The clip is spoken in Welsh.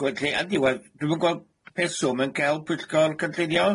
Welly yn diwedd, dwi'm yn gweld rheswm yn ca'l pwyllgor cynllunio.